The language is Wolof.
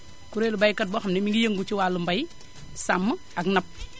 kuréelu baykat boo xam ne moo ngi yëngu ci wàllum mbay sàmm ak napp